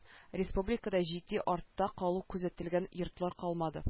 Республикада җитди артта калу күзәтелгән йортлар калмады